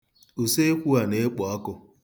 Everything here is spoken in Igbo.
Ụsọekwu a na-ekpo ọkụ.